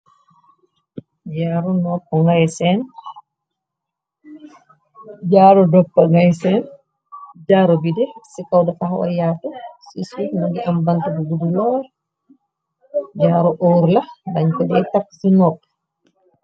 jaaru doppa ngay seen jaaru bide ci kaw da faxwa yartu ci suuf mi ngi am bant bu budu loor jaaru oor lax dañ ko jey tap ci nopp